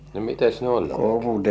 no mitenkäs ne on oikein